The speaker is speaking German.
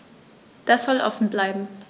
Das soll offen bleiben.